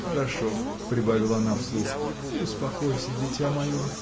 — Хорошо, — прибавила она вслух, — успокойся, дитя мое!